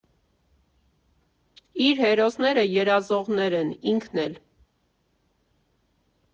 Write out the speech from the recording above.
Իր հերոսները երազողներ են, ինքն էլ.